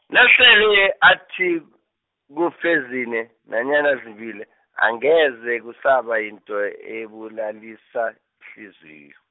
nasele athi, kufe zine, nanyana zimbili, angeze kusaba yinto e- ebulalisa, ihliziyo.